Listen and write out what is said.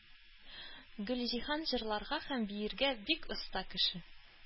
Гөлҗиһан җырларга һәм биергә бик оста кеше.